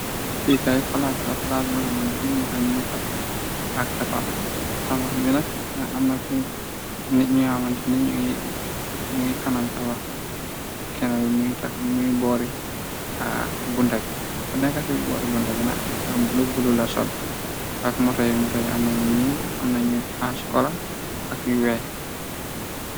Fikaay palaas da palaas bi ama ndirni moto ñuy fax ak tapax tabax bina amna ku nit ñu amandirna ño ngi kanam tabax b kena bi muy boori bunta bi ko neka ci boori bunda bi na luk bulu la sol ak moto yu moto yi amna ñuul amnañu askola ak y wee.